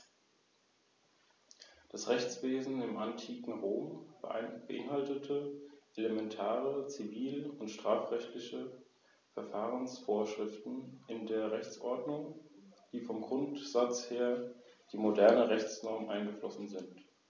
Infolge der römischen Erfolge stieg auch die Menge des zur Verfügung stehenden Münzgeldes dramatisch an, ebenso wie sich die Anzahl der Sklaven immer mehr erhöhte.